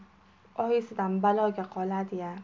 oyisidan baloga qoladi